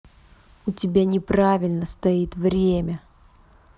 у тебя неправильно стоит время